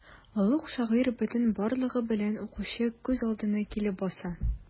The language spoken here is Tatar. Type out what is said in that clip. Олуг шагыйрь бөтен барлыгы белән укучы күз алдына килеп баса.